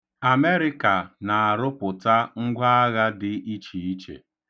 Amerịka na-arụpụta ngwaagha dị ichiiche.